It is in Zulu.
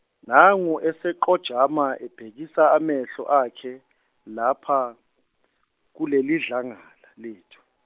nangu eseqojama ebhekisa amehlo akhe, lapha, kulelidlangala lethu.